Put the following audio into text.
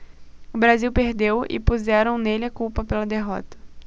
o brasil perdeu e puseram nele a culpa pela derrota